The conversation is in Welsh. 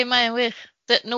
Yndi mae o'n wych.